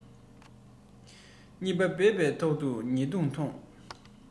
གཉིས པ བེས པའི ཐོག ཏུ ཉེས རྡུང ཐོང